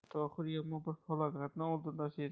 tohir yomon bir falokatni oldindan